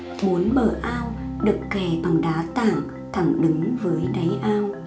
bờ ao được kè bằng đá tảng thẳng đứng với đáy ao